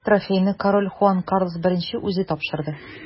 Трофейны король Хуан Карлос I үзе тапшырды.